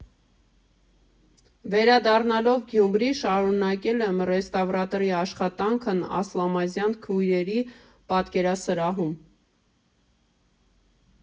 Վերադառնալով Գյումրի՝ շարունակել եմ ռեստավրատորի աշխատանքն Ասլամազյան քույրերի պատկերասրահում։